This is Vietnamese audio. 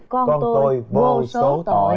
con tôi vô số tội